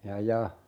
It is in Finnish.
ja ja